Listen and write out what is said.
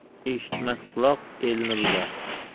eshitmas quloq elni buzar